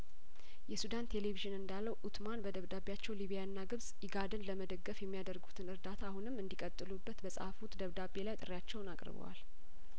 የሱዳን ቴሌቪዥን እንዳለው ኡት ማን በደብዳቤያቸው ሊቢያና ግብጽ ኢጋድን ለመደገፍ የሚያደርጉትን እርዳታ አሁንም እንዲ ቀጥሉ በት በጻፉት ደብዳቤ ላይ ጥሪያቸውን አቅርበዋል